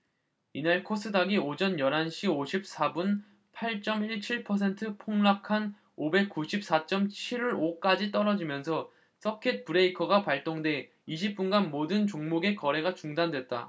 이날 코스닥이 오전 열 한 시 오십 사 분 팔 쩜 일 칠 퍼센트 폭락한 오백 구십 사 쩜 칠 오 까지 떨어지면서 서킷 브레이커가 발동돼 이십 분간 모든 종목의 거래가 중단됐다